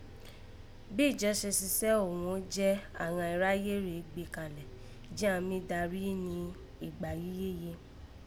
Bí ìjọ se sisẹ́ òghun ó jẹ́, àghan iráyé rèé gbe kanlẹ̀ jí án dẹ̀ mí darí ni ìgbà yìí yéye